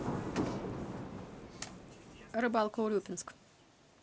рыбалка урюпинск